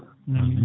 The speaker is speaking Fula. amine